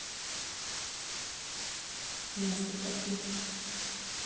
настю хочу